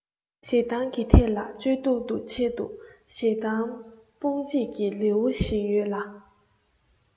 ཞེ སྡང གི ཐད ལ སྤྱོད འཇུག ཏུ ཆེད དུ ཞེ སྡང སྤོང བྱེད ཀྱི ལེའུ ཞིག ཡོད ལ